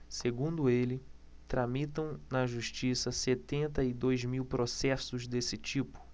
segundo ele tramitam na justiça setenta e dois mil processos desse tipo